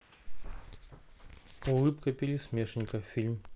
улыбка пересмешника фильм